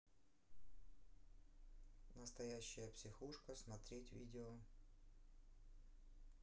настоящая психушка смотреть видео